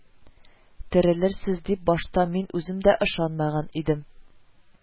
Терелерсез дип башта мин үзем дә ышанмаган идем